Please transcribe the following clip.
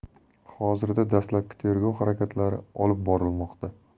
hozirda dastlabki tergov harakatlari olib borilmoqda